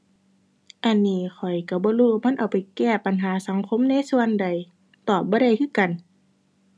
อันนี้ข้อยก็บ่รู้มันเอาไปแก้ปัญหาสังคมในส่วนใด ตอบบ่ได้คือกัน